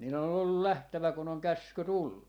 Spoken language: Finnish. niiden on ollut lähdettävä kun on käsky tullut